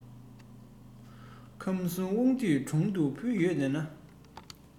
ཁམས གསུམ དབང འདུས དྲུང དུ ཕུལ ཡོད དོ